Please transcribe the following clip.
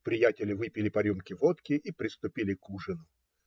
Приятели выпили по рюмке водки и приступили к ужину.